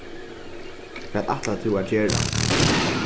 hvat ætlar tú at gera